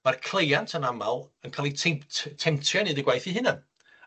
ma'r cleiant yn amal yn ca'l 'i teim- te- temptio i neud y gwaith 'i hunan.